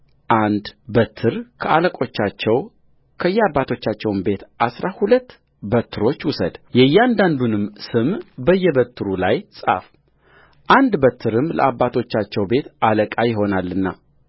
አንድ በትር ከአለቆቻቸው ከየአባቶቻቸው ቤት አሥራ ሁለት በትሮች ውሰድ የእያንዳንዱንም ስም በየበትሩ ላይ ጻፍአንድ በትርም ለአባቶቻቸው ቤት አለቃ ይሆናልና